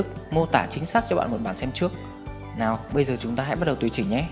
mô tả chính xác cho bạn một bản xem trước nào bây giờ chúng ta bắt đầu tùy chỉnh nhé